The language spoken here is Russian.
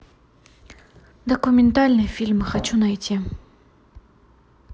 документальные фильмы хочу найти